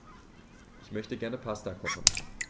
Ich möchte gerne Pasta kochen.